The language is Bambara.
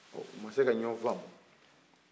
u ma se ka ɲɔ faamu